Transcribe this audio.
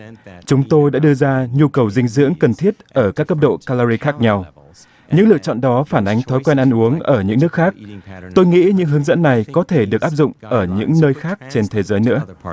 chúng tôi đã đưa ra nhu cầu dinh dưỡng cần thiết ở các cấp độ ca lo ri khác nhau những lựa chọn đó phản ánh thói quen ăn uống ở những nước khác tôi nghĩ như hướng dẫn này có thể được áp dụng ở những nơi khác trên thế giới nữa